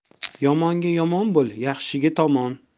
yomonga yomon bo'l yaxshiga tomon